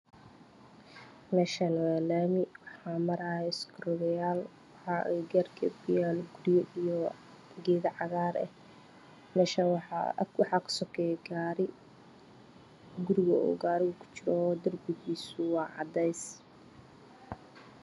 Meshan waa laami babur ayaa maraayo waxaa agagaerked ku yaalo guryo gedo cagar ah mesha waxa kasokeeyo gaari